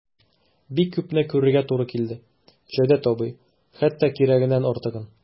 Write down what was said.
Бик күпне күрергә туры килде, Җәүдәт абый, хәтта кирәгеннән артыгын...